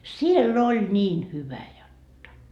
siellä oli niin hyvä jotta